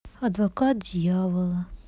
адвокат дьявола